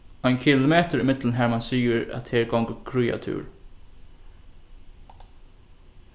ein kilometur ímillum har mann sigur at her gongur kríatúr